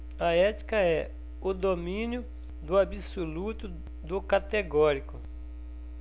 a ética é o domínio do absoluto do categórico